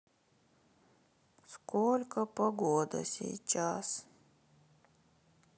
сколько погода сейчас